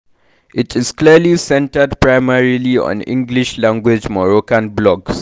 It is centered primarily on English language Moroccan blogs.